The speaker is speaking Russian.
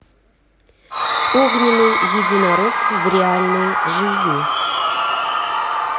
огненный единорог в реальной жизни